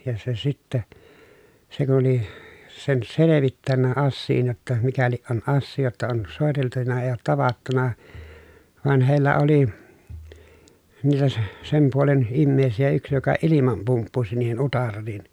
ja se sitten se kun oli sen selvittänyt asian jotta mikäli on asiaa jotta on soiteltu ei ole tavattu vaan heillä oli niitä se sen puolen ihmisiä yksi joka ilman pumppusi niihin utariin